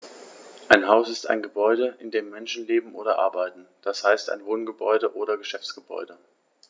Ein Haus ist ein Gebäude, in dem Menschen leben oder arbeiten, d. h. ein Wohngebäude oder Geschäftsgebäude.